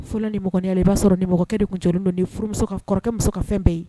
Fɔlɔ nimɔgɔninya la i b'a sɔrɔ nimɔgɔkɛ de tun jɔlen don ni furumuso ka kɔrɔkɛ muso ka fɛn bɛɛ ye